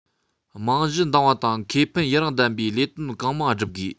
རྨང གཞི འདིང བ དང ཁེ ཕན ཡུན རིང ལྡན པའི ལས དོན གང མང བསྒྲུབ དགོས